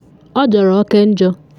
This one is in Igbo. Ọ Jọrọ Oke Njọ.